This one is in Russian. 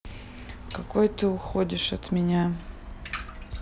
какой ты уходишь от меня